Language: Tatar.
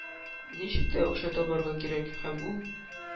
Ничек тә акча табарга кирәк, һәм ул